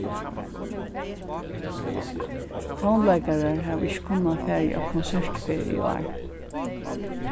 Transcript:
tónleikarar hava ikki kunna farið á konsertferð í ár